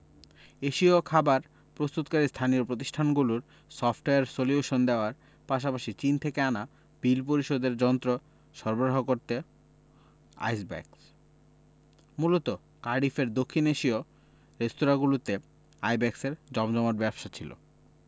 এশীয় খাবার প্রস্তুতকারী স্থানীয় প্রতিষ্ঠানগুলোয় সফটওয়্যার সলিউশন দেওয়ার পাশাপাশি চীন থেকে আনা বিল পরিশোধের যন্ত্র সরবরাহ করত আইসব্যাক মূলত কার্ডিফের দক্ষিণ এশীয় রেস্তোরাঁগুলোতে আইব্যাকসের জমজমাট ব্যবসা ছিল